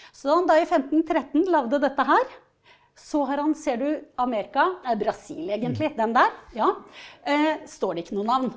så han da i 1513 lagde dette her, så har han ser du Amerika er Brasil egentlig, den der, ja, står det ikke noe navn.